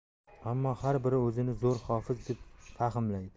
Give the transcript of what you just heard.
ammo har biri o'zini zo'r hofiz deb fahmlaydi